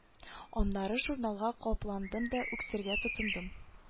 Аннары журналга капландым да үксергә тотындым